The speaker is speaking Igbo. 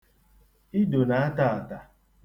Ido na-ata ata.